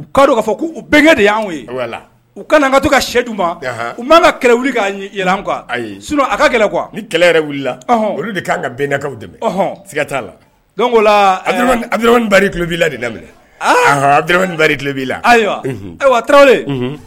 U ka don k' fɔ ko u bɛnkɛ de y'an ye u kanaan ka to ka sedu ma u'an ka kɛlɛ wuli ka yɛlɛ kuwa ayi sun a ka kɛlɛ ni kɛlɛ yɛrɛ wili olu de'an ka bɛnkaw dɛmɛ siga t'a la ko labi nbari kilobbiila de daminɛri kilobbiila ayiwa ayiwa a taara